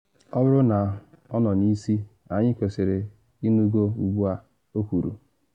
‘Ọ bụrụ na ọ nọ n’isi, anyị kwesịrị ịpụgo ugbu a,’ o kwuru.